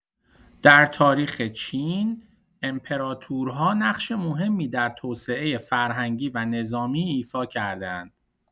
در تاریخ چین، امپراطورها نقش مهمی در توسعه فرهنگی و نظامی ایفا کرده‌اند.